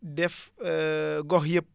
def gox yëpp